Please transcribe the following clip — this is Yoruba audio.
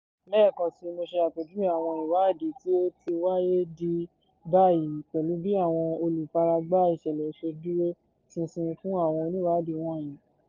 Lẹ́ẹ̀kansi, mo ṣe àpèjúwe àwọn ìwádìí tí ó ti wáyé di báyìí pẹ̀lú bí àwọn olùfaragbá ìṣẹ̀lẹ̀ ṣe dúró ṣinṣin fún àwọn ìwádìí wọ̀nyẹn.